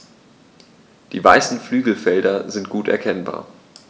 Die weißen Flügelfelder sind gut erkennbar.